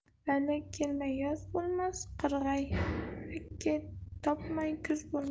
laylak kelmay yoz bo'lmas qirg'iyak chopmay kuz bo'lmas